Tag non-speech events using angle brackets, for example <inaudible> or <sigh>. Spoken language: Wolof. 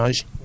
<hesitation> <hesitation>